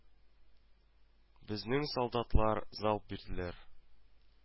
Безнең солдатлар залп бирделәр